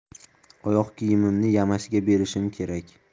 oyoq kiyimimni yamashga berishim kerak